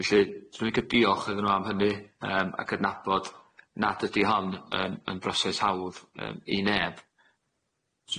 Felly 'swn i'n licio diolch iddyn nhw am hynny yym a cydnabod nad ydi hon yn yn broses hawdd yym i neb.